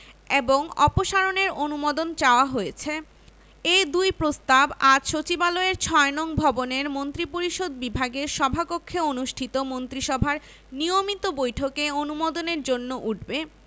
এবং অপসারণের অনুমোদন চাওয়া হয়েছে এ দুই প্রস্তাব আজ সচিবালয়ের ৬ নং ভবনের মন্ত্রিপরিষদ বিভাগের সভাকক্ষে অনুষ্ঠিত মন্ত্রিসভার নিয়মিত বৈঠকে অনুমোদনের জন্য উঠবে